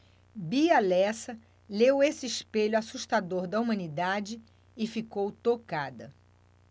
bia lessa leu esse espelho assustador da humanidade e ficou tocada